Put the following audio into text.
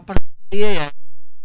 *